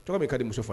Tɔgɔ bɛ'i di muso